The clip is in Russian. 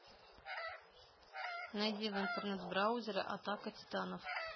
найди в интернет браузере атака титанов